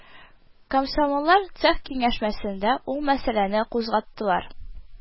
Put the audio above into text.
Комсомоллар цех киңәшмәсендә ул мәсьәләне кузгаттылар